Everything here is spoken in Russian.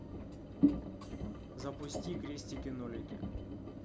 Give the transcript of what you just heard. запусти крестики нолики